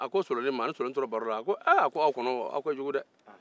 a ni solonin tora baro la a ko aw kɔnɔw aw ka jugu dɛ